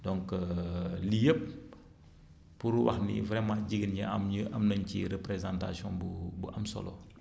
donc lii yépp pour wax ni vraiment jigéen ñi am ñu am nañu ci représentation bu bu am solo